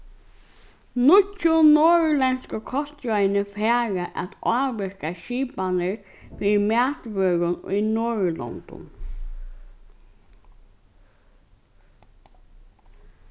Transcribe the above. nýggju norðurlendsku kostráðini fara at ávirka skipanir fyri matvørum í norðurlondum